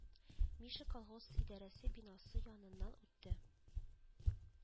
Миша колхоз идарәсе бинасы яныннан үтте